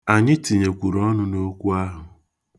Anyị tinyekwuru ọnụ n'okwu ahụ.